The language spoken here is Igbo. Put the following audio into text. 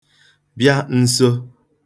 bịa n̄sō